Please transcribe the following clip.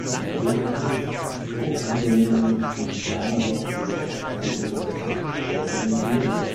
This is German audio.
System-Tools, Druckanwendungen und Planersoftware, „ Goldene Serie